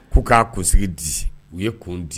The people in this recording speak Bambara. K'u k'a kunsigi di u ye kun di